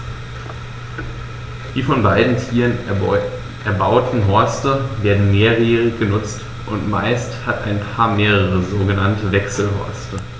Die von beiden Tieren erbauten Horste werden mehrjährig benutzt, und meist hat ein Paar mehrere sogenannte Wechselhorste.